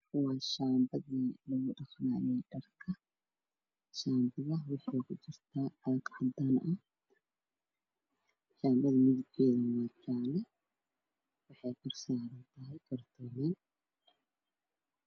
Waa shaambadii lagu dhaqanaayay dharka shaambada waxay ku jirtaa caag caddaan ah shaambada midabkeedu waa jaallle waxay kor saarantahay kartoon weyn